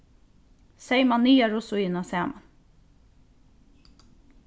seyma niðaru síðuna saman